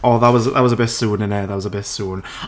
Oh that was that was a bit soon innit, that was a bit soon.